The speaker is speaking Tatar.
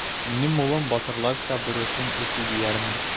Минем улым батырларча бурычын үти диярмен.